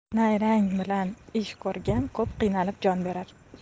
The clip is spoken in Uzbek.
nayrang bilan ish ko'rgan ko'p qiynalib jon berar